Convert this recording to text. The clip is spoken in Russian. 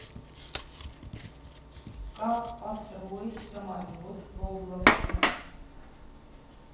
как построить самолет в роблоксе